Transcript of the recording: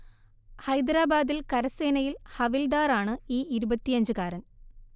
ഹൈദരബാദിൽ കരസനേയിൽ ഹവിൽദാർ ആണ് ഈ ഇരുപത്തിയഞ്ചുകാരൻ